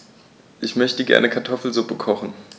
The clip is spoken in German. Ich möchte gerne Kartoffelsuppe kochen.